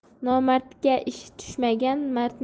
nomardga ishi tushmagan